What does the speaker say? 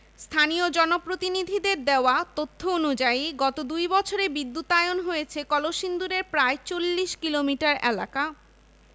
স্থানীয় জনপ্রতিনিধিদের দেওয়া তথ্য অনুযায়ী গত দুই বছরে বিদ্যুতায়ন হয়েছে কলসিন্দুরের প্রায় ৪০ কিলোমিটার এলাকা